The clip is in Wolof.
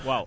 waaw